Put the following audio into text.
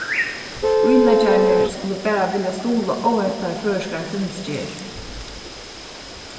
íleggjararnir skulu bara vilja stuðla óheftari føroyskari filmsgerð